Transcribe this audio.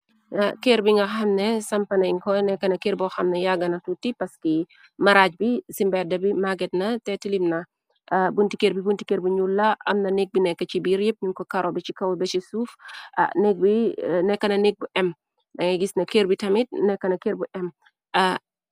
Kër bi nga xamne sampanen ko nekkna kër bo xamne yaggana tuuti paski maraaj bi ci mberd bi magget na te tilim na buntikër bi buntikër bi nul la amna nék bi nekk ci bi répp ñun ko karo bi ci kaw beshe suuf nekkna nek bu m dangay gis na kër bi tamit nekkna kër bu am.